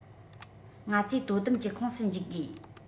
ང ཚོས དོ དམ གྱི ཁོངས སུ འཇུག དགོས